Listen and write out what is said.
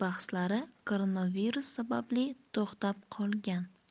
bahslari koronavirus sababli to'xtab qolgan